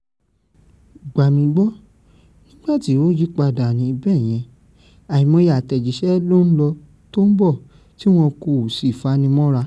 Gbà mi gbọ́, nígbà tí ó yípadà níbẹ̀ yen, àìmọye àtẹ̀jíṣẹ́ ló ń lọ tó ń bọ̀ tí wọ̀ kò sì fanimọ́ra.